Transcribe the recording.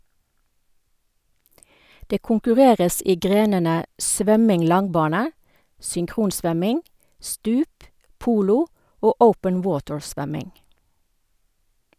Det konkurreres i grenene svømming langbane, synkronsvømming, stup, polo og open water-svømming.